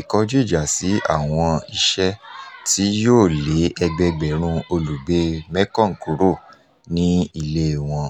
ìkọjú-ìjà sí àwọn iṣẹ́ tí yóò lé ẹgbẹẹgbẹ̀rún olùgbé Mekong kúrò ní ilée wọn: